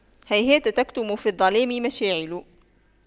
هيهات تكتم في الظلام مشاعل